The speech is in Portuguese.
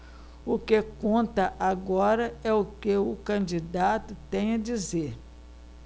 o que conta agora é o que o candidato tem a dizer